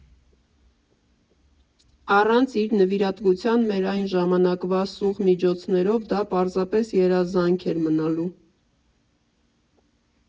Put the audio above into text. Առանց իր նվիրատվության մեր այն ժամանակվա սուղ միջոցներով դա պարզապես երազանք էր մնալու։